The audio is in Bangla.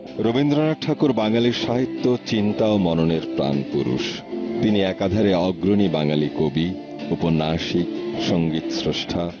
রবীন্দ্রনাথ ঠাকুর বাঙালি সাহিত্য চিন্তা ও মননের প্রাণপুরুষ তিনি একাধারে অগ্রণী বাঙালি কবি উপন্যাসিক সংগীত স্রষ্টা